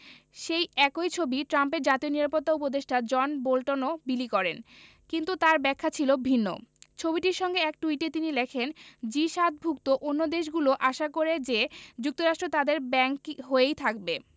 সেই একই ছবি ট্রাম্পের জাতীয় নিরাপত্তা উপদেষ্টা জন বোল্টনও বিলি করেন কিন্তু তাঁর ব্যাখ্যা ছিল ভিন্ন ছবিটির সঙ্গে এক টুইটে তিনি লেখেন জি ৭ ভুক্ত অন্য দেশগুলো আশা করে যে যুক্তরাষ্ট্র তাদের ব্যাংক হয়েই থাকবে